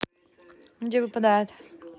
где выпадает